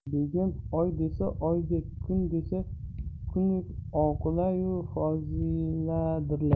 begim oy desa oydek kun desa kundek oqilayu foziladirlar